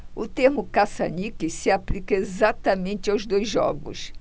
o termo caça-níqueis se aplica exatamente aos dois jogos